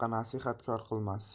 nasihat kor qilmas